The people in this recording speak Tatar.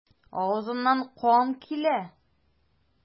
Авызыннан кан килә.